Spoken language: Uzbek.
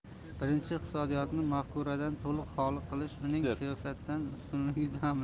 birinchisi iqtisodiyotni mafkuradan to'liq xoli qilish uning siyosatdan ustunligini ta'minlash